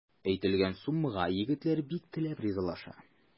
Әйтелгән суммага егетләр бик теләп ризалаша.